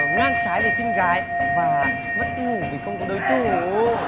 ngang trái vì xinh gái và mất ngủ vì không có đối thủ